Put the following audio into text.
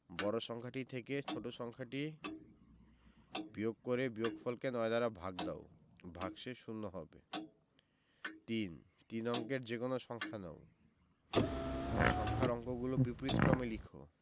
বড় সংখ্যাটি থেকে ছোট ছোট সংখ্যাটি বিয়োগ করে বিয়োগফলকে ৯ দ্বারা ভাগ দাও ভাগশেষ শূন্য হবে ৩ তিন অঙ্কের যেকোনো সংখ্যা নাও সংখ্যার অঙ্কগুলোকে বিপরীতক্রমে লিখ